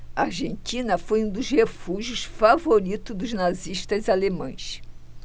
a argentina foi um dos refúgios favoritos dos nazistas alemães